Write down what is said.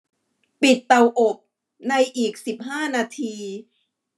ปิดเตาอบในอีกสิบห้านาที